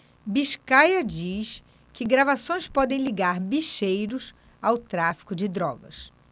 biscaia diz que gravações podem ligar bicheiros ao tráfico de drogas